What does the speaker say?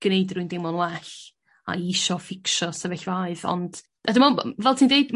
gwneud rywun deimlo'n well a isio fixo sefyllfaoedd ond a dwi me'wl b- fel ti'n deud